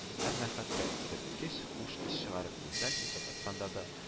Әмма хәтта исерткеч хуш ис чыгарып миндаль чәчәк атканда да